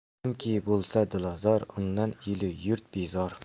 kimki bo'lsa dilozor undan el u yurt bezor